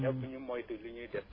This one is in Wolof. nañu moytu li ñuy def